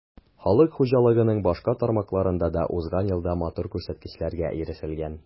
Халык хуҗалыгының башка тармакларында да узган елда матур күрсәткечләргә ирешелгән.